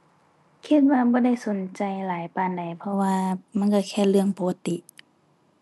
คิดว่าบ่ได้สนใจหลายปานใด เพราะว่ามันก็แค่เรื่องปกติ